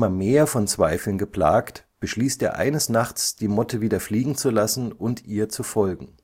mehr von Zweifeln geplagt, beschließt er eines Nachts, die Motte wieder fliegen zu lassen und ihr zu folgen